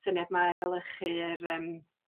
syniad ma' o'r efelychu yr yym